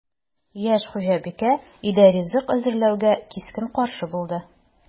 Яшь хуҗабикә өйдә ризык әзерләүгә кискен каршы булды: